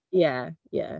Ie, ie.